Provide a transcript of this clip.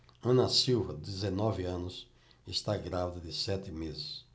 ana silva dezenove anos está grávida de sete meses